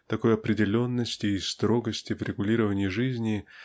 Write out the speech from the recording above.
такой определенности и строгости в регулировании жизни